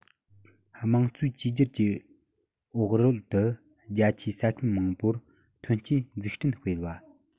དམངས གཙོའི བཅོས བསྒྱུར གྱི འོག རོལ ཏུ རྒྱ ཆེའི ས ཁུལ མང པོར ཐོན སྐྱེད འཛུགས སྐྲུན སྤེལ བ